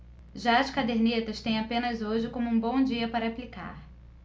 já as cadernetas têm apenas hoje como um bom dia para aplicar